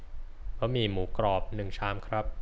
บะหมี่หมูกรอบหนึ่งชามครับ